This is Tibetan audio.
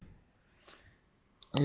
རྗེས སུ མཇལ ཡོང